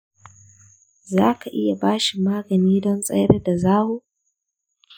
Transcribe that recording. za ka iya ba shi magani don tsayar da zawo?